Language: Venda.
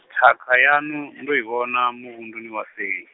thakha yaṋu, ndo i vhona muvhunduni wa seli.